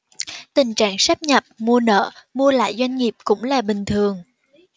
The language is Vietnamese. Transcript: tình trạng sáp nhập mua nợ mua lại doanh nghiệp cũng là bình thường